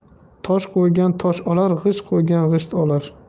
tosh qo'ygan tosh olar g'isht qo'ygan g'isht olar